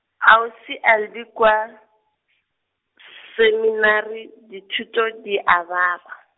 Ausi Albi kua, s- seminari dithuto di a baba.